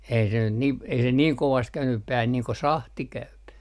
ei se nyt niin ei se niin kovasti käynyt päähän niin kuin sahti käy